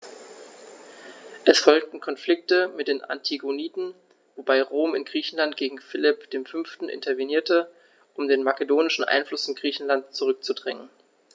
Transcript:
Es folgten Konflikte mit den Antigoniden, wobei Rom in Griechenland gegen Philipp V. intervenierte, um den makedonischen Einfluss in Griechenland zurückzudrängen.